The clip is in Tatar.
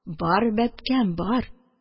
Бар, бәбкәм, бар